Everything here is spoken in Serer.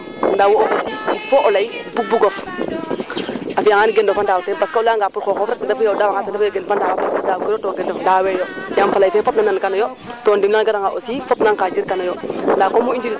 laŋa ngumbanga rooga riga na koɓ a neew neew o jeg ndaa ndikoy ande a ngara yo refatu meen engrais refatu meen ten moƴatu ref probleme in comme rooga deɓa laŋ ke nguɓa xana woot jalik